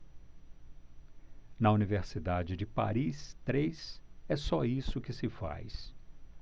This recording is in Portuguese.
na universidade de paris três é só isso que se faz